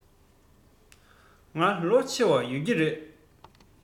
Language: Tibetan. ང ལོ ཆེ བ ཡོད ཀྱི རེད